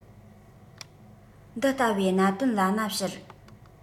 འདི ལྟ བུའི གནད དོན ལ ན ཕྱུར